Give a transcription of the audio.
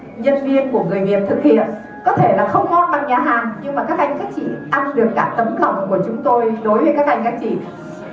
nhân viên của người việt thực hiện có thể là không ngon bằng nhà hàng nhưng mà các anh các chị ăn được cả tấm lòng của chúng tôi đối với các anh các chị